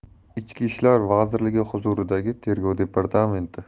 ichki ishlar vazirligi huzuridagi tergov departamenti